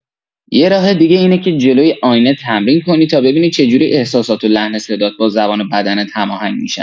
یه راه دیگه اینه که جلوی آینه تمرین کنی تا ببینی چجوری احساسات و لحن صدات با زبان بدنت هماهنگ می‌شن.